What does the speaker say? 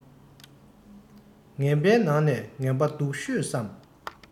ངན པའི ནང ནས ངན པ སྡུག ཤོས སམ